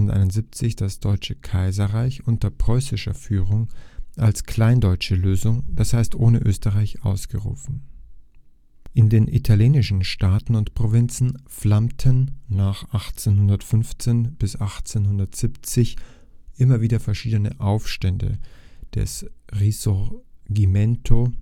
1871 das deutsche Kaiserreich unter preußischer Führung als Kleindeutsche Lösung (d. h. ohne Österreich) ausgerufen. → Hauptartikel: Deutsche Reichsgründung In den italienischen Staaten und Provinzen flammten nach 1815 bis 1870 immer wieder verschiedene Aufstände des Risorgimento